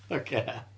Oce.